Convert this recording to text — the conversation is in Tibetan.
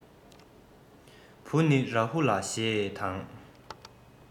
བུ ནི རཱ ཧུ ལ ཞེས དང